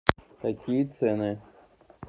какие цены